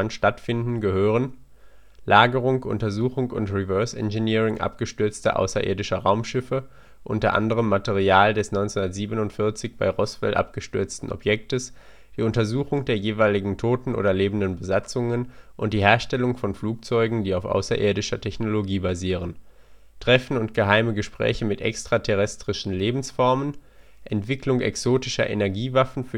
stattfinden, gehören: die Lagerung, Untersuchung und Reverse Engineering abgestürzter außerirdischer Raumschiffe (u.a. Material des 1947 bei Roswell abgestürzten Objektes), die Untersuchung der jeweiligen (toten oder lebenden) Besatzungen, und die Herstellung von Flugzeugen, die auf außerirdischer Technologie basieren. Treffen und geheime Gespräche mit extra-terrestrischen Lebensformen. die Entwicklung exotischer Energiewaffen